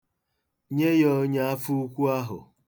Nye ya onye afọ nnukwu ahụ.